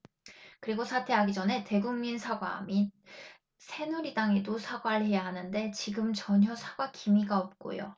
그리고 사퇴하기 전에 대국민 사과 밑 새누리당에도 사과를 해야 하는데 지금 전혀 사과 기미가 없고요